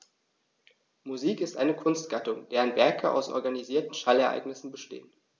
Musik ist eine Kunstgattung, deren Werke aus organisierten Schallereignissen bestehen.